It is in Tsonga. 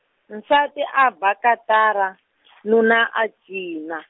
nsati a ba katara , nuna a cina.